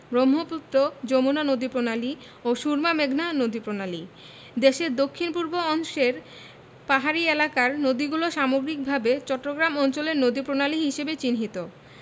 ব্রহ্মপুত্র যমুনা নদীপ্রণালী ও সুরমা মেঘনা নদীপ্রণালী দেশের দক্ষিণ পূর্ব অংশের পাহাড়ী এলাকার নদীগুলো সামগ্রিকভাবে চট্টগ্রাম অঞ্চলের নদীপ্রণালী হিসেবে চিহ্নিত